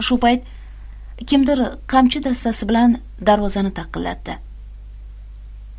shu payt kimdir qamchi dastasi bilan darvozani taqillatdi